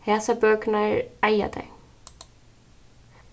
hasar bøkurnar eiga tær